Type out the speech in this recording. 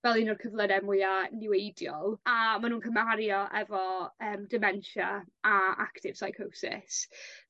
fel un o'r cyflyre mwya niweidiol a ma' nw'n cymaru o efo yym dimentia a active psychosis.